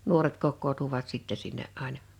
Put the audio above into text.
nuoret kokoontuivat sitten sinne aina